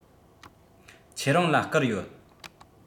ཁྱེད རང ལ བསྐུར ཡོད